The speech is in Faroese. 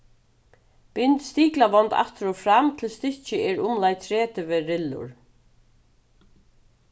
bint stiklavond aftur og fram til stykkið er umleið tretivu rillur